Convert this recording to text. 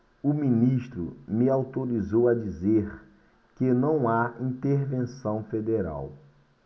o ministro me autorizou a dizer que não há intervenção federal